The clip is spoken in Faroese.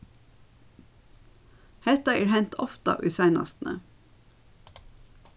hetta er hent ofta í seinastuni